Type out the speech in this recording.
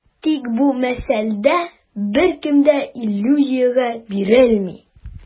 Тик бу мәсьәләдә беркем дә иллюзиягә бирелми.